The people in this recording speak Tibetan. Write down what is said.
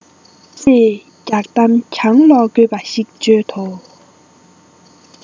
ཅེས རྒྱགས གཏམ གྱང ལོག དགོས པ ཞིག བརྗོད དོ